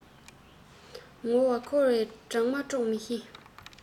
ངོ ལ འཁོར བའི སྦྲང མ དཀྲོག མི ཤེས